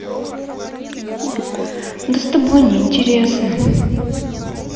да с тобой не интересно